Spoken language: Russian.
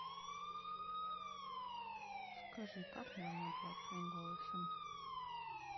скажи как можно оплачивать голосом